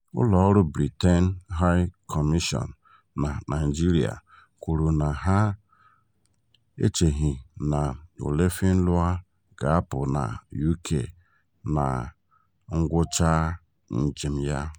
Ụlọọrụ Britain High Commission na Naịjirịa kwuru na ha "echeghị" na Olofinlua ga-apụ na UK na ngwụchaa njem ya.